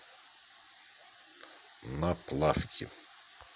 на плавки